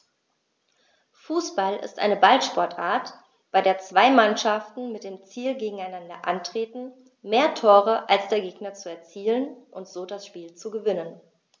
Fußball ist eine Ballsportart, bei der zwei Mannschaften mit dem Ziel gegeneinander antreten, mehr Tore als der Gegner zu erzielen und so das Spiel zu gewinnen.